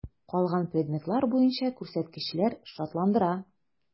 Калган предметлар буенча күрсәткечләр шатландыра.